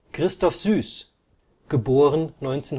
Christoph Süß (* 1967